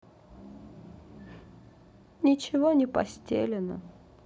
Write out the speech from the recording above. ничего не постелено